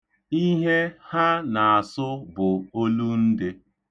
Ihe ha na-asụ bụ olundị.